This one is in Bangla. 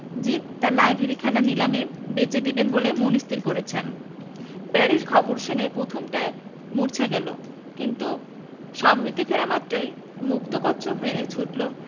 জিদ তাঁর লাইব্রেরিখানা নিলামে বেচে দেবেন বলে মনস্থির করেছেন প্যারিস খবর শুনে প্রথমটায় মুর্ছা গেল কিন্তু সম্বিত ফেরা মাত্রই মুক্তকচ্ছ হয়ে ছুটল